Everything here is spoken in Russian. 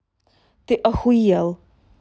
ты охуел